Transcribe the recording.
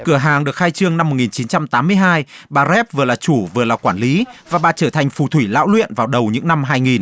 cửa hàng được khai trương năm một nghìn chín trăm tám mươi hai bà rép vừa là chủ vừa là quản lý và bà trở thành phù thủy lão luyện vào đầu những năm hai nghìn